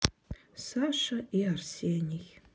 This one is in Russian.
саша и арсений